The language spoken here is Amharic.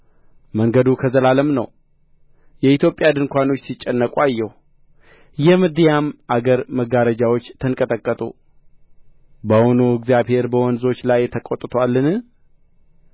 መንገዱ ከዘላለም ነው የኢትዮጵያ ድንኳኖች ሲጨነቁ አየሁ የምድያም አገር መጋረጃዎች ተንቀጠቀጡ በውኑ እግዚአብሔር በወንዞች ላይ ተቈጥቶአልን